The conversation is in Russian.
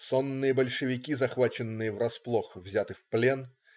Сонные большевики, захваченные врасплох,- взяты в плен.